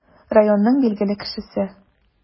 Районның билгеле кешесе.